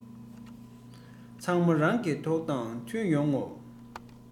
གཞན ལ མ ལབ རང ལ དོགས ཟོན གྱིས